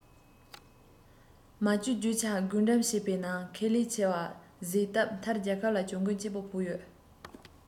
མ བཅོས རྒྱུ ཆ བགོས འགྲེམ བྱེད པའི ནང ཁེ ལས ཆེ བ བཟས སྟབས མཐར རྒྱལ ཁབ ལ གྱོང གུན ཆེན པོ ཕོག ཡོད